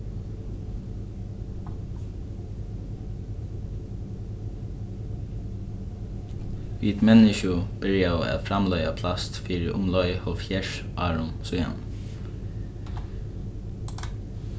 vit menniskju byrjaðu at framleiða plast fyri umleið hálvfjerðs árum síðani